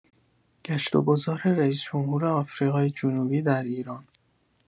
گشت و گذار رییس‌جمهور آفریقای جنوبی در ایران